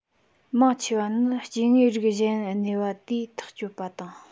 མང ཆེ བ ནི སྐྱེ དངོས རིགས གཞན གནས པ དེས ཐག གཅོད པ དང